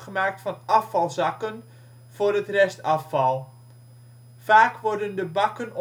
voor het restafval). Vaak worden de bakken